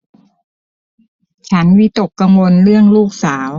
ฉันวิตกกังวลเรื่องลูกสาว